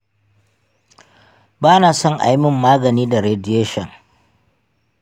ba na son a yi min magani da radiation.